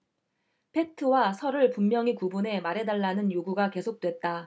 팩트와 설을 분명히 구분해 말해 달라는 요구가 계속됐다